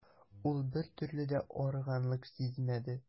Ул бертөрле дә арыганлык сизмәде.